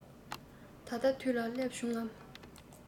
ད ལྟ དུས ལ བསླེབས བྱུང ངམ